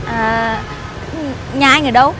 à nhà anh ở đâu